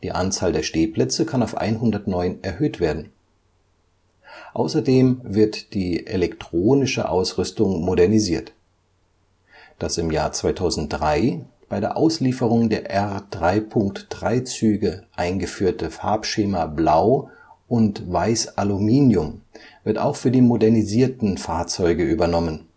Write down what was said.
Anzahl der Stehplätze kann auf 109 erhöht werden. Außerdem wird die elektronische Ausrüstung modernisiert. Das im Jahr 2003 bei der Auslieferung der R-3.3-Züge eingeführte Farbschema Blau und Weißaluminium wird auch für die modernisierten Fahrzeuge übernommen